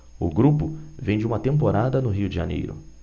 o grupo vem de uma temporada no rio de janeiro